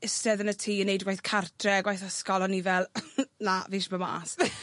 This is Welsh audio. istedd yn y tŷ yn neud y gwaith cartre a gwaith ysgol a o'n i fel, na, fishe bo' mas.